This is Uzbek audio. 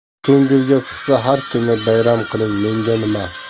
ko'ngilga sig'sa har kuni bayram qiling menga nima